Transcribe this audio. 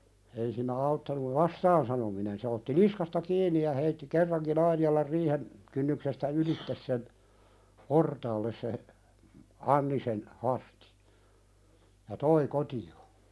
ei siinä auttanut vastaan sanominen se otti niskasta kiinni ja heitti kerrankin Ainialan riihen kynnyksestä ylitse sen portaalle se Anni sen Hastin ja toi kotiin